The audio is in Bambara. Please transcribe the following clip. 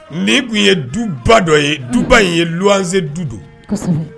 N tun ye duba dɔ ye duba in ye se du don